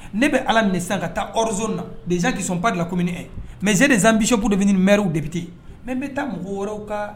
Ne bɛ ala nin ka taa hz na de zansɔnba lak mɛ z nin zan bisup de mriw debite mɛ n bɛ taa mɔgɔw wɛrɛw kan